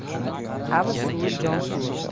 qavs suvi jon suvi